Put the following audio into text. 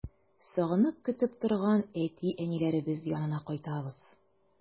Сагынып көтеп торган әти-әниләребез янына кайтабыз.